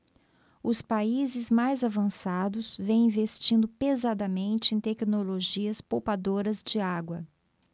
os países mais avançados vêm investindo pesadamente em tecnologias poupadoras de água